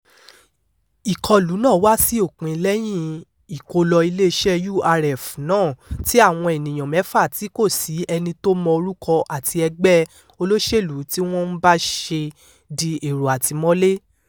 Ìkọlù náà wá sí òpin lẹ́yìn-in ìkólọ iléeṣẹ́ URF náà tí àwọn ènìyàn mẹ́fà tí kò sí ẹni tó mọ orúkọ àti ẹgbẹ́ olóṣèlú tí wọ́n ń bá ṣe di èrò àtìmọ́lé.